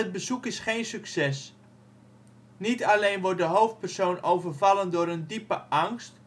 bezoek is geen succes. Niet alleen wordt de hoofdpersoon overvallen door een diepe angst